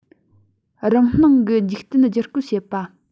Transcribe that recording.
རང སྣང གི འཇིག རྟེན བསྒྱུར བཀོད བྱེད པ